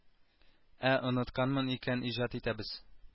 Ә онытканмын икән иҗат итәбез